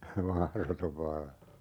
mahdoton vallan